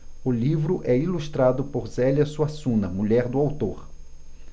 o livro é ilustrado por zélia suassuna mulher do autor